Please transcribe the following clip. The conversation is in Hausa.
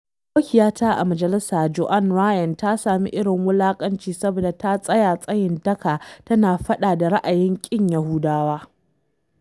Abokiyata a majalisa Joan Ryan ta sami irin wulakanci saboda ta tsaya tsayin daka tana faɗa da ra’ayin ƙin Yahudawa.